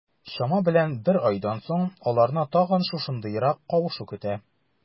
Чама белән бер айдан соң, аларны тагын шушындыйрак кавышу көтә.